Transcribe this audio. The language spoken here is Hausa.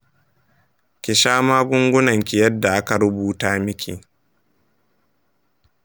ki sha magungunanki yadda aka rubuta miki.